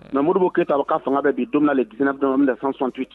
Maurubo keyita ka fanga bɛɛ bɛ bi don de diinina bɛ dɔrɔn yɔrɔ min minɛ san santi ten